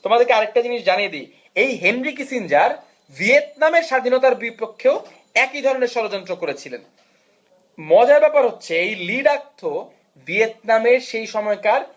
তোমাদেরকে আরেকটা জিনিস যা নিয়ে দিয়েই হেনরি কিসিঞ্জার ভিয়েতনামের স্বাধীনতার বিপক্ষে ও একই ধরনের ষড়যন্ত্র করেছিলেন মজার ব্যাপার হচ্ছে এই লি ডাক থো ভিয়েতনামের সেই সময়কার